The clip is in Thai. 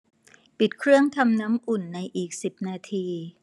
ปิดเครื่องทำน้ำอุ่นในอีกสิบนาที